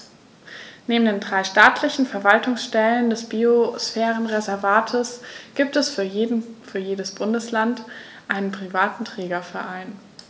Neben den drei staatlichen Verwaltungsstellen des Biosphärenreservates gibt es für jedes Bundesland einen privaten Trägerverein.